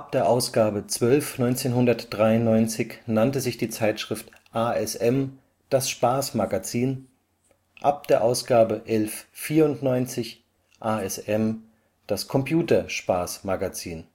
der Ausgabe 12/1993 nannte sich die Zeitschrift ASM – Das Spaß-Magazin, ab der Ausgabe 11/1994 ASM - Das Computer-Spaß-Magazin